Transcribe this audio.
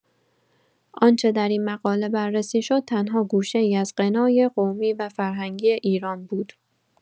آنچه در این مقاله بررسی شد، تنها گوشه‌ای از غنای قومی و فرهنگی ایران بود.